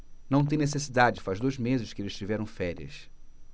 não tem necessidade faz dois meses que eles tiveram férias